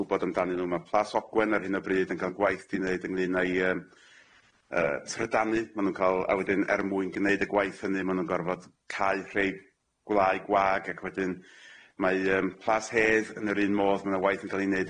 gwbod amdanyn nw ma' Plas Ogwen ar hyn o bryd yn ga'l gwaith di neud ynglŷn â'i yym yy trydanu ma' nw'n ca'l a wedyn er mwyn gneud y gwaith hynny ma' nw'n gorfod cau rhei gwlau gwag ac wedyn mae yym Plas Hedd yn yr un modd ma' na waith yn ga'l i neud